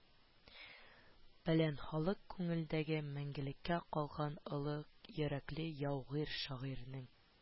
Белән халык күңелендә мәңгелеккә калган олы йөрәкле яугир шагыйрьнең